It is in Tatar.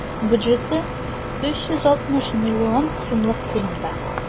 Бюджеты 360 миллион сумлык фильмда.